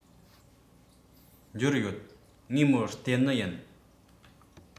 འབྱོར ཡོད ངས མོར སྟེར ནི ཡིན